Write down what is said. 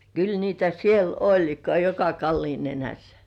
kyllä niitä siellä oli joka kallion nenässä